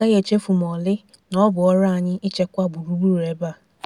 Anyị agaghị echefu ma ọlị na ọ bụ ọrụ anyị ichekwa gburugburu ebe a.